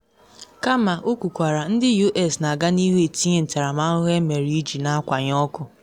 Kama, o kwukwara, ndị U.S. na aga n’ihu etinye ntaramahụhụ emere iji na akwanye ọkụ.